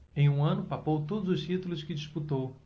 em um ano papou todos os títulos que disputou